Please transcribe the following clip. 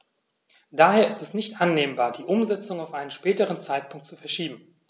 Daher ist es nicht annehmbar, die Umsetzung auf einen späteren Zeitpunkt zu verschieben.